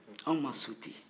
anw ma sute